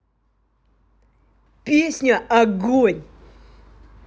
песня огонь